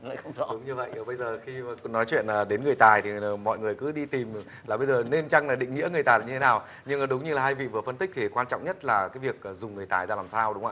đúng như vậy và bây giờ khi mà nói chuyện là đến người tài để mọi người cứ đi tìm là bây giờ nên chăng là định nghĩa người tài như nào nhưng đúng như là hai vị vừa phân tích cái quan trọng nhất là cái việc dùng người tài ra làm sao đúng